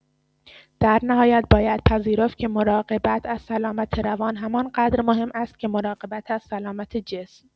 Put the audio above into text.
در نهایت باید پذیرفت که مراقبت از سلامت روان همان‌قدر مهم است که مراقبت از سلامت جسم.